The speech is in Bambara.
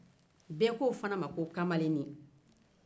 bɛɛ ko o fana ma ko kamalennin